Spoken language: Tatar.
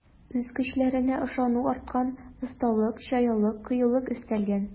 Үз көчләренә ышану арткан, осталык, чаялык, кыюлык өстәлгән.